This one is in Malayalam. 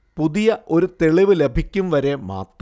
പുതിയ ഒരു തെളിവ് ലഭിക്കും വരെ മാത്രം